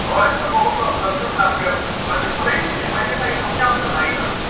thôi các cô các cậu tập trung làm việc và đừng có để ý đến mấy cái tay giống nhau kiểu này nữa